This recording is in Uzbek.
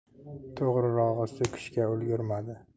to'g'rirog'i so'kishga ulgurmadi